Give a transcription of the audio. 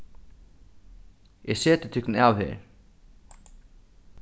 eg seti tykkum av her